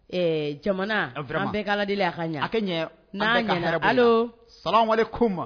Ee jamanakaladiwale ko ma